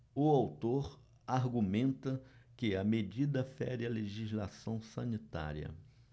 o autor argumenta que a medida fere a legislação sanitária